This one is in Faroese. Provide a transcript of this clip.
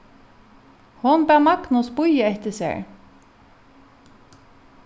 hon bað magnus bíða eftir sær